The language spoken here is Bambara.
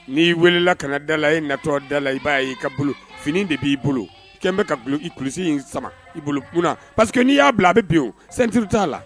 N'i weelela ka na da la, i natɔ da la i b'a y'i ka bolo fini de b'i bolo i kɛn bɛ ka i ka kulusi in sama i bolo mun na parce que n'i y'a bila a bɛ bin ceinture _t' a la wo.